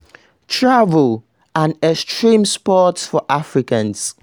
Travel: An extreme sport for Africans